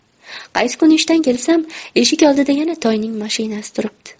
qaysi kuni ishdan kelsam eshik oldida yana toyning mashinasi turibdi